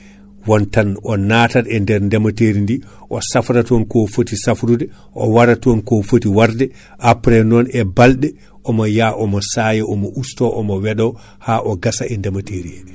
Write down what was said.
wontan o natat e nder ndeemateri ndi o safraton ko foti safrude o wara ton ko foti warde après non e balɗe omo ya omo saya omo usto omo weɗo ha o gassa e ndeemateri he